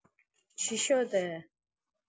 چی شده